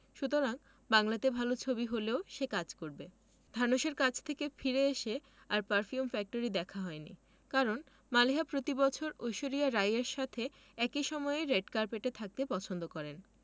সুতরাং বাংলাতে ভালো ছবি হলেও সে কাজ করবে ধানুশের কাছে থেকে ফিরে এসে আর পারফিউম ফ্যাক্টরি দেখা হয়নি কারণ মালিহা প্রতিবছর ঐশ্বরিয়া রাই এর সাথে একই সময়ে রেড কার্পেটে থাকতে পছন্দ করেন